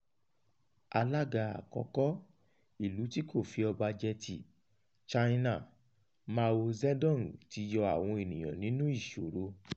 Alága àkọ́kọ́ Ìlú-tí-kò-fi-ọba-jẹ ti China Mao Zedong ti yọ àwọn ènìyàn nínú ìṣòro.